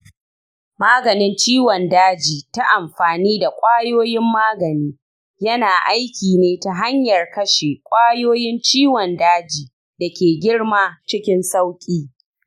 maganin ciwon daji ta amfani da kwayoyin magani yana aiki ne ta hanyar kashe kwayoyin ciwon daji da ke girma cikin sauri.